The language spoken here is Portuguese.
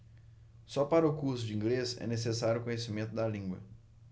só para o curso de inglês é necessário conhecimento da língua